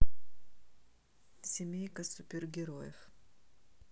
семейка супергероев